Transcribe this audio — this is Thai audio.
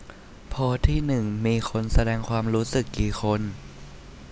โพสต์ที่หนึ่งมีคนแสดงความรู้สึกกี่คน